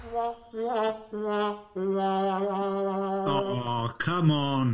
Oh, come on!